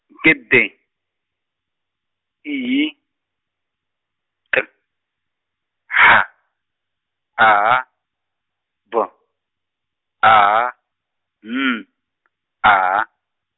ke D, I, T, H, A, B, A, N , A.